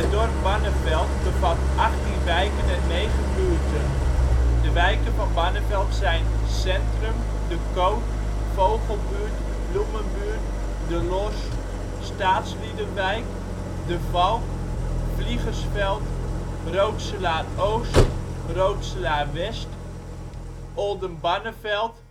dorp Barneveld bevat 18 wijken en 9 buurten. De wijken van Barneveld zijn: Centrum, De Koot, Vogelbuurt, Bloemenbuurt, De Lors, Staatsliedenwijk, De Valk, Vliegersveld, Rootselaar-Oost, Rootselaar-West, Oldenbarneveld